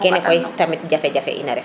kene kay tamit jafe jefe in a ref